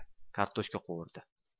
kartoshka qovurdi